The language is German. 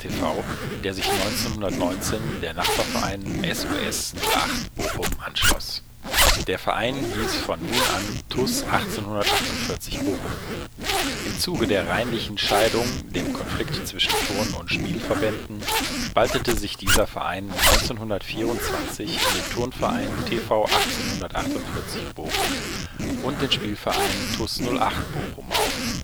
TV, der sich 1919 der Nachbarverein SuS 08 Bochum anschloss. Der Verein hieß von nun an TuS 1848 Bochum. Im Zuge der Reinlichen Scheidung, dem Konflikt zwischen Turn - und Spielverbänden, spaltete sich dieser Verein 1924 in den Turnverein TV 1848 Bochum und den Spielverein TuS 08 Bochum auf